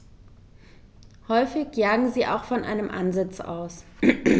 Häufig jagen sie auch von einem Ansitz aus.